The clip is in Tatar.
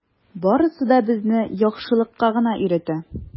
Барысы да безне яхшылыкка гына өйрәтә.